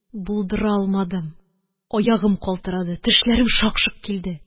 Булдыра алмадым, аягым калтырады, тешләрем шак-шок килде.